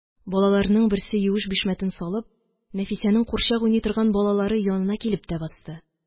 Балаларның берсе, юеш бишмәтен салып, Нәфисәнең курчак уйный торган балалары янына килеп тә басты.